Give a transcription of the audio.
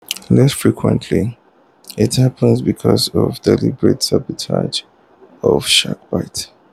Less frequently, it happens because of deliberate sabotage or shark bites.